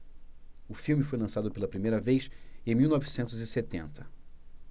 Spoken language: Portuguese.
o filme foi lançado pela primeira vez em mil novecentos e setenta